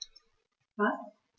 Was?